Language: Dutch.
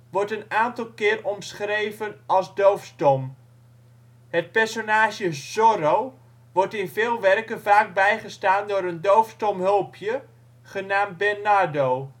wordt een aantal keer omschreven als doofstom. Het personage Zorro wordt in veel werken vaak bijgestaan door een doofstom hulpje genaamd Bernardo